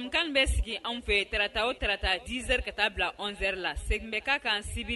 Jɛmukan in bɛ sigi anw fɛ tarata o tarata 10 heures ka taa bila 11 heures la, segin bɛ k'a kan Sibiri.